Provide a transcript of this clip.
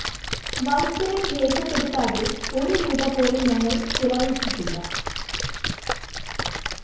വൗച്ചറിൽ രേഖപ്പെടുത്താതെ ഒരു രൂപ പോലും ഞങ്ങൾ ചെലവഴിച്ചിട്ടില്ല